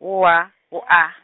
wu W, wu A.